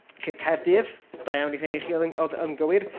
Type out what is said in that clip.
Felly Caerdydd, da iawn i rheini chi, oedd yn gywir.